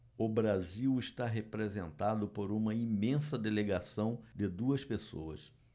o brasil está representado por uma imensa delegação de duas pessoas